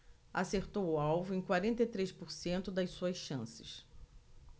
acertou o alvo em quarenta e três por cento das suas chances